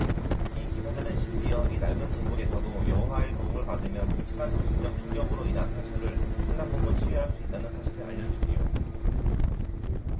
그 기사들은 심지어 이 낡은 제도에서도 여호와의 도움을 받으면 끔찍한 정신적 충격으로 인한 상처를 상당 부분 치유할 수 있다는 사실을 알려 주지요